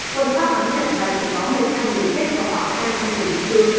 quân pháp thắng trận và chỉ có người chết và khoảng người bị thương